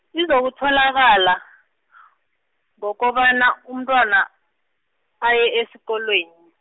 izokutholakala , ngokobana umntwana, aye esikolweni.